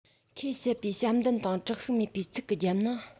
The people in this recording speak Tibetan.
ཁོས བཤད པའི བྱམས ལྡན དང དྲག ཤུགས མེད པའི ཚིག གི རྒྱབ ན